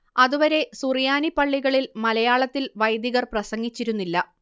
അതുവരെ സുറിയാനി പള്ളികളിൽ മലയാളത്തിൽ വൈദികർ പ്രസംഗിച്ചിരുന്നില്ല